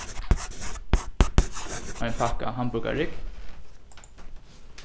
ein pakka hamburgarrygg